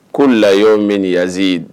Ko layo min yanzi ye